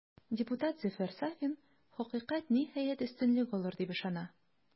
Депутат Зөфәр Сафин, хакыйкать, ниһаять, өстенлек алыр, дип ышана.